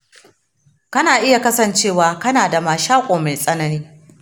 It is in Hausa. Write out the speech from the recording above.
kana iya kasancewa kana da mashako mai tsanani.